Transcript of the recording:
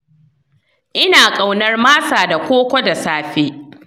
ina ƙaunar masa da koko da safe.